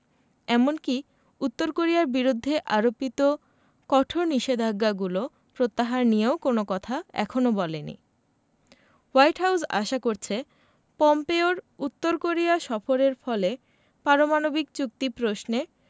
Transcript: এমনকি উত্তর কোরিয়ার বিরুদ্ধে আরোপিত কঠোর নিষেধাজ্ঞাগুলো প্রত্যাহার নিয়েও কোনো কথা এখনো বলেনি হোয়াইট হাউস আশা করছে পম্পেওর উত্তর কোরিয়া সফরের ফলে পারমাণবিক চুক্তি প্রশ্নে